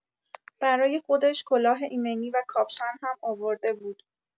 برای خودش کلاه ایمنی و کاپشن هم آورده بود.